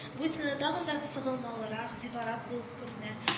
Буй-сыны тагын да сыгылмалырак, зифарак булып күренә